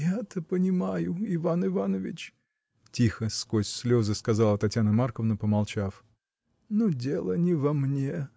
— Я-то понимаю, Иван Иванович, — тихо, сквозь слезы, сказала Татьяна Марковна, помолчав, — но дело не во мне.